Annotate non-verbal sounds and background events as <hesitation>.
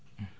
<hesitation> <hesitation>